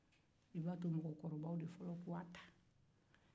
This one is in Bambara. i b' a to mɔgɔkɔrɔbaw de fɔlɔ k'a ta